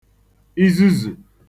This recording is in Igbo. izuzù